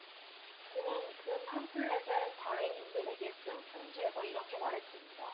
그는 그 팜플렛의 발행인들에게 쓴 편지에서 이렇게 말했습니다